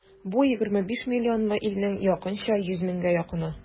Бу егерме биш миллионлы илнең якынча йөз меңгә якыны.